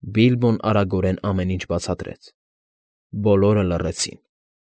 Բիլբոն արագորեն ամեն ինչ բացատրեց։ Բոլորը լռեցին։